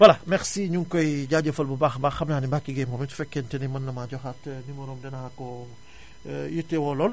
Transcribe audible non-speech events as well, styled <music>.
voilà merci ñoo ngi koy jaajëfal bu baax a baax xam naa ne Mbacke Gueye moom it su fekkente ne mën namaa joxaat numéro dinaa ko <inhales> yitewoo lool